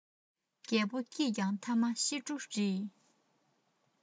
རྒྱལ པོ སྐྱིད ཀྱང ཐ མ ཤི འགྲོ རེད